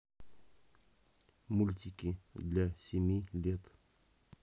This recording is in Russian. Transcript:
мультики для семи лет